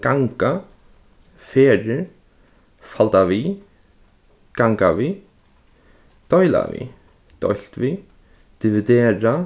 ganga ferðir faldað við gangað við deila við deilt við dividera